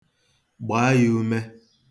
Gbaa ya ume.